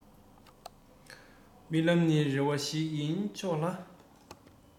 རྨི ལམ ནི རེ བ ཞིག ཡིན ཆོག ལ